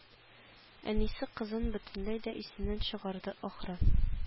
Әнисе кызын бөтенләй дә исеннән чыгарды ахры